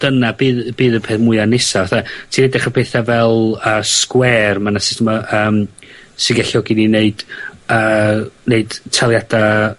dyna bydd bydd y peth mwya nesa 'the, ti'n edrych ar petha fel yy Square ma' 'na sut ma' yym sy'n galluogi fi i ni neud yy neud taliadau